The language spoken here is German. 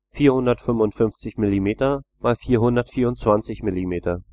455 mm × 424 mm